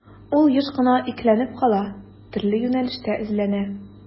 Ул еш кына икеләнеп кала, төрле юнәлештә эзләнә.